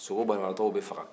sogo banabaatɔ bɛ faga